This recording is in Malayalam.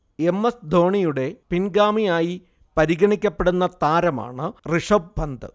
എം. എസ്. ധോണിയുടെ പിൻഗാമിയായി പരിഗണിക്കപ്പെടുന്ന താരമാണ് ഋഷഭ് പന്ത്